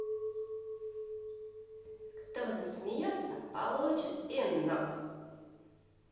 кто засмеется получит пинок